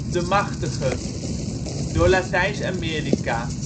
De Machtige ') door Latijns-Amerika